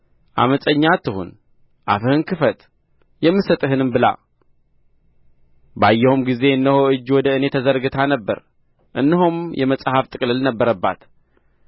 ዓመፀኛ አትሁን አፍህን ክፈት የምሰጥህንም ብላ ባየሁም ጊዜ እነሆ እጅ ወደ እኔ ተዘርግታ ነበር እነሆም የመጽሐፍ ጥቅልል ነበረባት